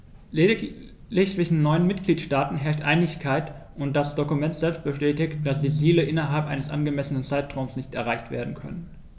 Lediglich zwischen neun Mitgliedsstaaten herrscht Einigkeit, und das Dokument selbst bestätigt, dass die Ziele innerhalb eines angemessenen Zeitraums nicht erreicht werden können.